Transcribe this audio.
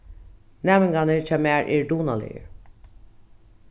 næmingarnir hjá mær eru dugnaligir